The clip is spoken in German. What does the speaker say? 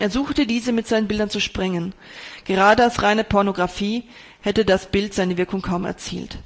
suchte diese mit seinen Bildern zu sprengen. Gerade als reine Pornographie hätte das Bild diese Wirkung kaum erzielt